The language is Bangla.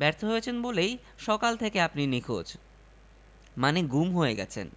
স্বস্তির নিশ্বাস ফেললেন মন্ত্রী যাক